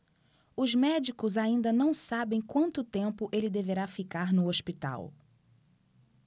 os médicos ainda não sabem quanto tempo ele deverá ficar no hospital